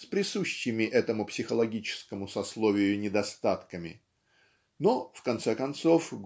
с присущими этому психологическому сословию недостатками но в конце концов